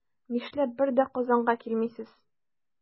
Нишләп бер дә Казанга килмисез?